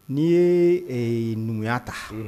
N'i ye numuya ta